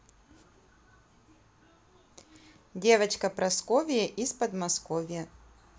девочка прасковья из подмосковья